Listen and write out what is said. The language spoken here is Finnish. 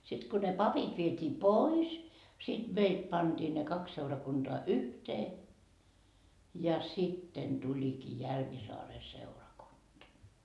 sitten kun ne papit vietiin pois sitten meitä pantiin ne kaksi seurakuntaa yhteen ja sitten tulikin Järvisaaren seurakunta